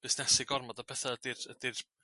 bysnesu gormod o petha' ydi'r ydi'r